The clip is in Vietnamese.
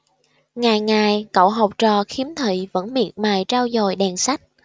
ngày ngày cậu học trò khiếm thị vẫn miệt mài trau dồi đèn sách